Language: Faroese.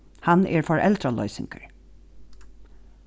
hann er foreldraloysingur